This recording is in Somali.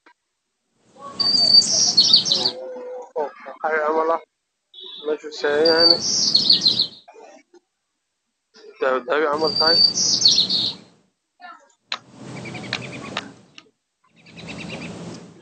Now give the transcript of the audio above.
Waa surwaal midabkiisu waa madow